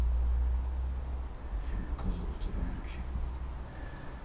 фильм козел ты вонючий